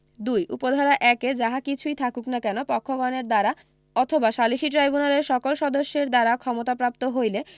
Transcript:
২ উপ ধারা ১ এ যাহা কিছুই থাকুক না কেন পক্ষগণের দ্বারা অথবা সালিসী ট্রাইব্যুনালের সকল সদস্যের দ্বারা ক্ষমতাপ্রাপ্ত হইলে